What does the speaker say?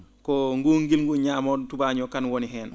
ko nguun ngilngu ñaamoongu tubaañoo kañ woni heen